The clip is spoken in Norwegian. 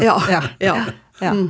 ja ja ja.